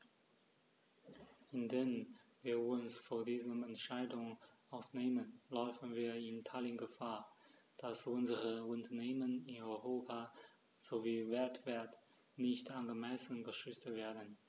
Indem wir uns von dieser Entscheidung ausnehmen, laufen wir in Italien Gefahr, dass unsere Unternehmen in Europa sowie weltweit nicht angemessen geschützt werden.